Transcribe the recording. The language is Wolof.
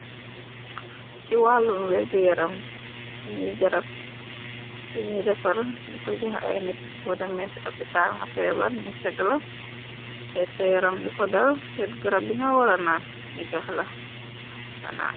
Ci wàllum wergu yaram ni garab yi ñuy defar di ko jox ay nit bo demee ci hopitaal nga feebar ñu caggla seed sa yaram li ko dar seet garab bi nga waranaan ñu jox la ganaan.